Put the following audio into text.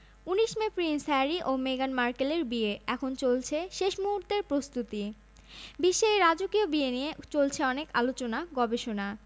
১৯ May Prince Harry ও মেগান মার্কেলের বিয়ে এখন চলছে শেষ মুহূর্তের প্রস্তুতি বিশ্বে এই রাজকীয় বিয়ে নিয়ে চলছে অনেক আলোচনা গবেষণা